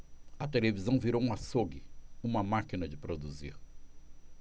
a televisão virou um açougue uma máquina de produzir